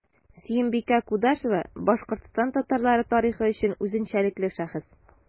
Сөембикә Кудашева – Башкортстан татарлары тарихы өчен үзенчәлекле шәхес.